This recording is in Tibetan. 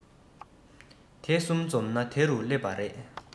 དེ གསུམ འཛོམས ན དེ རུ སླེབས པ རེད